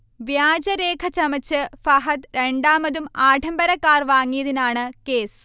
വ്യാജരേഖ ചമച്ച് ഫഹദ് രണ്ടാമതും ആഡംബര കാർ വാങ്ങിയതിനാണ് കേസ്